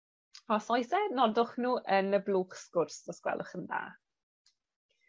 Os oes e nodwch nw yn y blwch sgwrs os gwelwch yn dda.